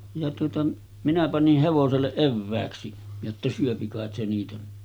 ja tuota minä panin hevoselle evääksi jotta syö kai se niitä